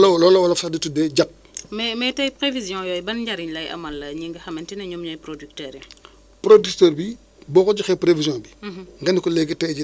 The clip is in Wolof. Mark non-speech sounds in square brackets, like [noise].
la prévision mété [hesitation] bi pri prévision saisonière bi ñu def jàppal ni weer bu nekk dañuy def li ñuy wax mise à jour donc lépp luñ la wax tey dañu ko càmbar